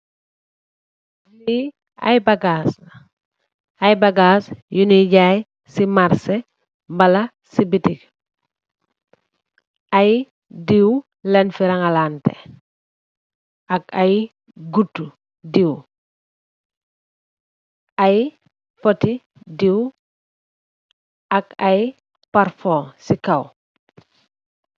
Lii ay Bagaas la, ay bagaas yu ñuy jaay si marse, walla si bitik. Ay diiw lañg fa rañgalaante ak ay guttu diiw, ak ay poot I diw, ak ay kartoñg si kow.